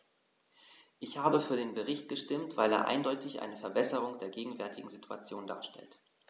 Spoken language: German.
Ich habe für den Bericht gestimmt, weil er eindeutig eine Verbesserung der gegenwärtigen Situation darstellt.